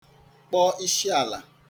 kpọ ishiàlà